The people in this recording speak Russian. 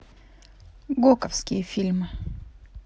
гоковские фильмы